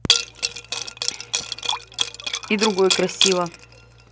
и другой красиво